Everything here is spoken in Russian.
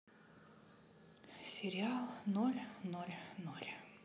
сериал ноль ноль ноль